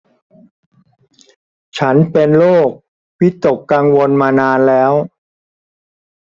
ฉันเป็นโรควิตกกังวลมานานแล้ว